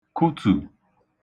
kụtù